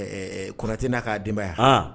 Kɔnnatɛ n'a k'a denbaya yan h